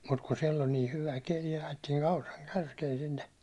mutta kun siellä oli niin hyvä keli ajettiin Auran kärkeen sinne